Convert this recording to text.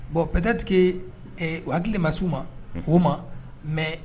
Bon pɛtatigi hakili masiw ma oo ma mɛ